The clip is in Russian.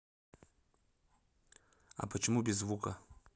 а почему без звука